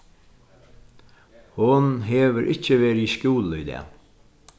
hon hevur ikki verið í skúla í dag